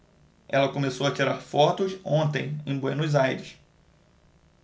ela começou a tirar fotos ontem em buenos aires